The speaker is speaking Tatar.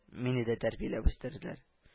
Мине дә тәрбияләп үстерделәр